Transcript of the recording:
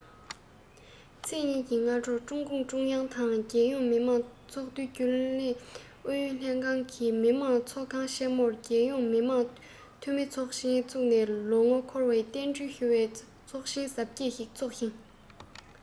ཚེས ཉིན གྱི སྔ དྲོ ཀྲུང གུང ཀྲུང དབྱང དང རྒྱལ ཡོངས མི དམངས འཐུས ཚོགས རྒྱུན ལས ཨུ ཡོན ལྷན ཁང གིས མི དམངས ཚོགས ཁང ཆེ མོར རྒྱལ ཡོངས མི དམངས འཐུས མི ཚོགས ཆེན བཙུགས ནས ལོ ངོ འཁོར བར རྟེན འབྲེལ ཞུ བའི ཚོགས ཆེན གཟབ རྒྱས ཤིག འཚོགས ཤིང